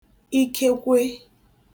ikekwe